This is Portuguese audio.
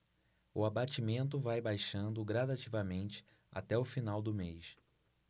o abatimento vai baixando gradativamente até o final do mês